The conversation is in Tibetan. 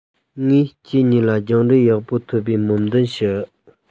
ངས ཁྱེད གཉིས ལ སྦྱངས འབྲས ཡག པོ ཐོབ པའི སྨོན འདུན ཞུ